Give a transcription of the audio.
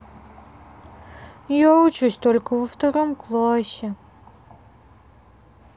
я учусь только во втором классе